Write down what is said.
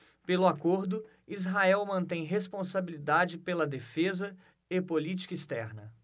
pelo acordo israel mantém responsabilidade pela defesa e política externa